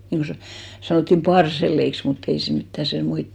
niin kuin - sanottiin parselleiksi mutta ei se mitään - muita